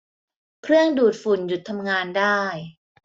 เครื่องดูดฝุ่นหยุดทำงานได้